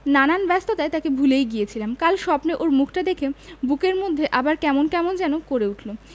নানান ব্যস্ততায় তাকে ভুলেই গিয়েছিলাম কাল স্বপ্নে ওর মুখটা দেখে বুকের মধ্যে আবার কেমন কেমন যেন করে উঠল